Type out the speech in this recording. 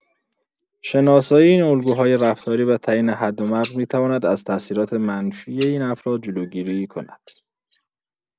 شناسایی این الگوهای رفتاری و تعیین حد و مرز می‌تواند از تاثیرات منفی این افراد جلوگیری کند.